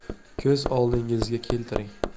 ko'z oldingizga keltiring